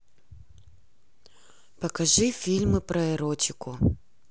покажи фильмы про эротику